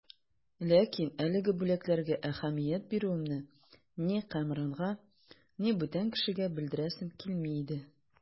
Ләкин әлеге бүләкләргә әһәмият бирүемне ни Кәмранга, ни бүтән кешегә белдерәсем килми иде.